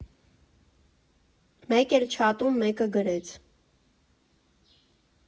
Մեկ էլ չաթում մեկը գրեց.